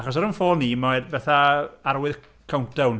Achos ar fy ffôn i, mae fatha arwydd countdown.